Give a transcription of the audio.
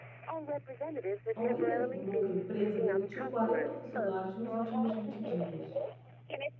almeida informou que a empresa demitiu quarenta funcionários nos últimos vinte dias